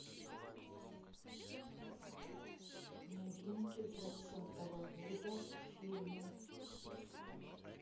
новинки двадцатого года фильмы